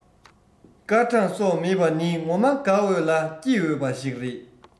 སྐར གྲངས སོགས མེད པ ནི ངོ མ དགའ འོས ལ སྐྱིད འོས པ ཞིག རེད